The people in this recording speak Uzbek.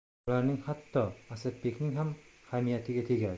ularning hatto asadbekning ham hamiyatiga tegadi